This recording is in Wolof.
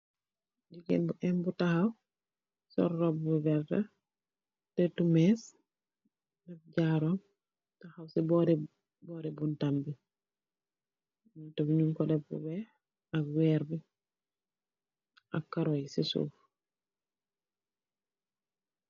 Jigeen bu em bu tahaw, sol robu bu werta, letu mes, def jaarom, tahaw si bori bori buntam bi, buntabi nyun ko daf bu weex ak werbi ak karoyi si soof